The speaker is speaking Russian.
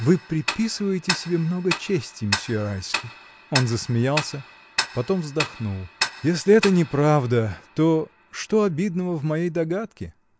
Вы приписываете себе много чести, мсьё Райский! Он засмеялся, потом вздохнул. — Если это неправда, то. что обидного в моей догадке?